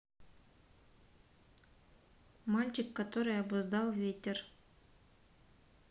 мальчик который обуздал ветер